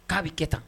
K'a bɛ kɛ tan